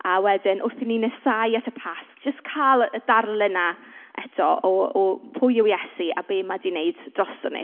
A wedyn wrth i ni nesáu at y Pasg jyst cael y darlun 'na eto o o pwy yw Iesu a be mae 'di wneud drosto ni.